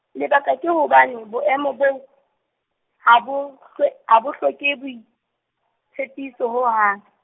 lebaka ke hobane boemo boo, ha bo, hloe-, ha bo hloke boitsebiso ho hang .